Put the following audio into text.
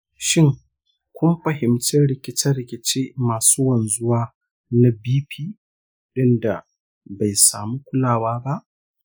shin kun fahimci rikice-rikice masu wanzuwa na bp ɗinda bai samu kulawa ba?